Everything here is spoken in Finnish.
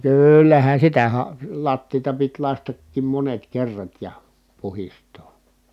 no kyllähän sitä - lattiaa piti lakaistakin monet kerrat ja puhdistaa